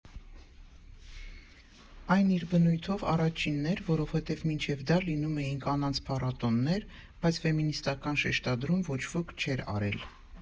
Այն իր բնույթով առաջինն էր, որովհետև մինչև դա լինում էին կանանց փառատոներ, բայց ֆեմինիստական շեշտադրում ոչ ոք չէր արել։